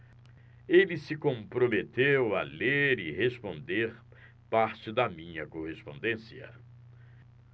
ele se comprometeu a ler e responder parte da minha correspondência